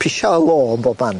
Pisio y lo yn bob man.